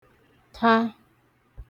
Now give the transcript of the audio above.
ṭa